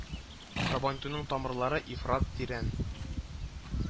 Сабантуйның тамырлары ифрат тирән